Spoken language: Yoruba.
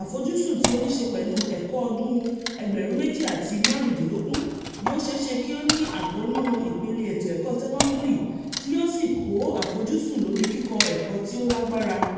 àfojúsùn tí ó ní ṣe pẹ̀lú ẹ̀kọ́ ọdún 2015 ni ó ṣeé ṣe kí ní àkóónú ìpele ètò ẹ̀kọ́ sẹ́kọ́ńdírì tí yóò sì kó àfojúsùn lórí kíkọ́ ẹ̀kọ́ tí ó lágbára.